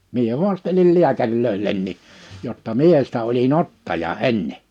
minä haastelin lääkäreille jotta minä sitä olin ottaja ennen